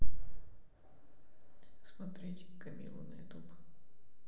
смотреть камилу на ютуб